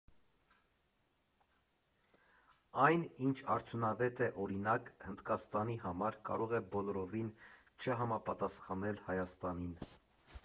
Այն, ինչ արդյունավետ է, օրինակ, Հնդկաստանի համար, կարող է բոլորովին չհամապատասխանել Հայաստանին։